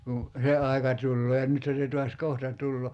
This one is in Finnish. kun se aika tulee ja nythän se taas kohta tulee